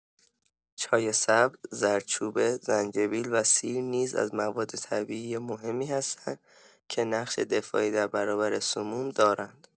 چای سبز، زردچوبه، زنجبیل و سیر نیز از مواد طبیعی مهمی هستند که نقش دفاعی در برابر سموم دارند.